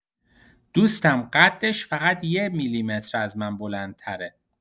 دوستم قدش فقط یه میلیمتر از من بلندتره.